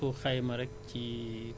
même bu dee da nga dugal say xar